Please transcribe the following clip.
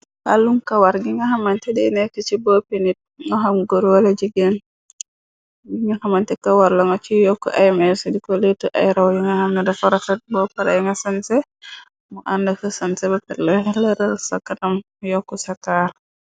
Wàllum kawar bi nga xamañte dey nekk ci boppi nit, moo xam goor wala jigéen ñu xamañte kawar la, nga si yokk ay mees, diko leetu ay raw yu nga xam ne da fa rafet, boo parey nga sanse mu ànd ak sa sanse ba pare leeral sa kanam, yokk sa taar.